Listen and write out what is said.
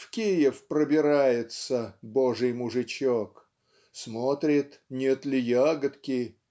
В Киев пробирается Божий мужичок. Смотрит - нет ли ягодки?